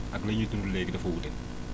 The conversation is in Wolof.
ak lu ñuy dund léegi dafa wute